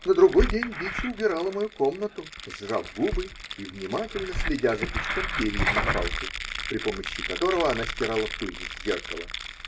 На другой день Биче убирала мою комнату, сжав губы и внимательно следя за пучком перьев на палке, при помощи которого она стирала пыль с зеркала.